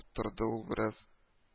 Торды ул бераз